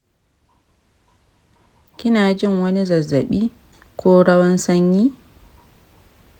kina jin wani zazzaɓi ko rawan sanyi?